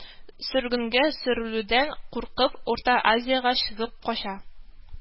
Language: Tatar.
Сөргенгә сөрелүдән куркып, урта азиягә чыгып кача